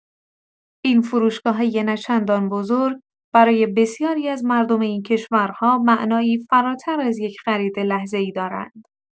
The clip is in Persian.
این فروشگاه‌های نه‌چندان بزرگ، برای بسیاری از مردم این کشورها، معنایی فراتر از یک خرید لحظه‌ای دارند.